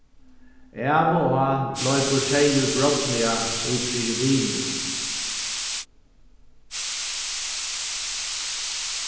av og á loypur seyður brádliga út fyri bilin